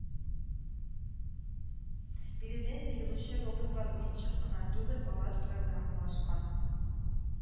Биредә җыелучы роботлар уенчык кына түгел, алар программалашкан